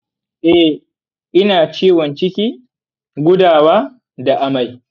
eh, ina ciwon ciki, gudawa da amai.